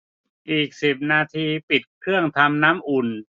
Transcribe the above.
อีกสิบนาทีปิดเครื่องทำน้ำอุ่น